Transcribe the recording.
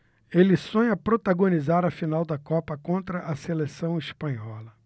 ele sonha protagonizar a final da copa contra a seleção espanhola